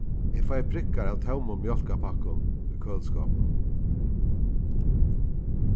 eg fái prikkar av tómum mjólkarpakkum í køliskápinum